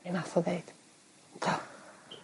be' nath o ddeud. Do.